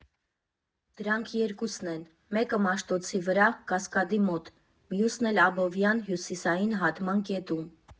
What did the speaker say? Դրանք երկուսն են, մեկը՝ Մաշտոցի վրա՝ Կասկադի մոտ, մյուսն էլ՝ Աբովյան֊Հյուսիսային հատման կետում։